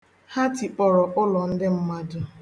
Ha tikpọrọ ụlọ ndị mmadụ